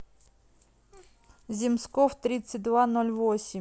земсков тридцать два ноль восемь